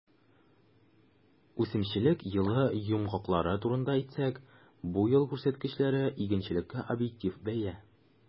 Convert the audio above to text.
Үсемлекчелек елы йомгаклары турында әйтсәк, бу ел күрсәткечләре - игенчелеккә объектив бәя.